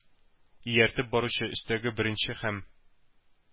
Ияртеп баручы өстәге беренче һәм